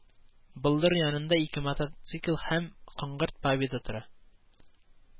Болдыр янында ике мотоцикл һәм коңгырт Победа тора